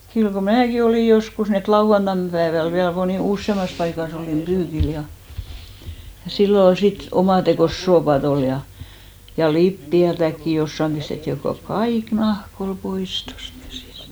kyllä kun minäkin olin joskus niin että lauantaina päivällä vielä - useammassa paikassa olin pyykillä ja ja silloin oli sitä omatekoista suopaa oli ja ja lipeätäkin jossakin pistettiin kun kaikki nahka oli pois tuosta käsistä